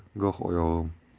qoladi goh oyog'im